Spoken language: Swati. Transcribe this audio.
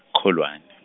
Kholwane.